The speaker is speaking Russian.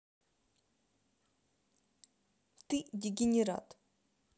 ты дегенерат